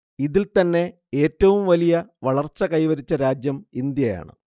ഇതിൽ തന്നെ ഏറ്റവും വലിയ വളർച്ച കൈവരിച്ച രാജ്യം ഇന്ത്യയാണ്